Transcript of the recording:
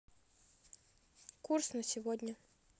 курс на сегодня